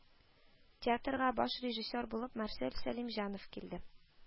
Театрга баш режиссер булып марсель сәлимҗанов килде